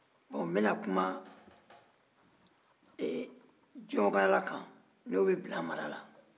bon n bɛna kuma e jɔkala kan n'o bɛ bila mara la